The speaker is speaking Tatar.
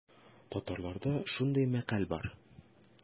Татарларда шундый мәкаль бар.